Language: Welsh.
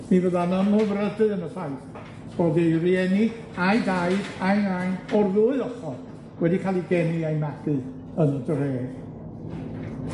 Mi fydda'n ymhyfrydu yn y ffaith bod ei rieni a'i daid a'i nain o'r ddwy ochor wedi ca'l 'u geni a'u magu yn y dre.